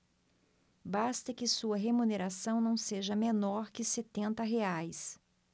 basta que sua remuneração não seja menor que setenta reais